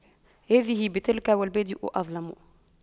هذه بتلك والبادئ أظلم